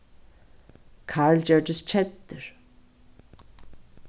karl gjørdist keddur